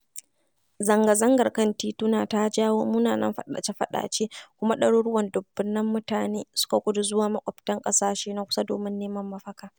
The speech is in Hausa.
Zanga-zangar kan tituna ta jawo munanan faɗace-faɗace, kuma ɗaruruwan dubunnan mutane suka gudu zuwa maƙotan ƙasashe na kusa domin neman mafaka."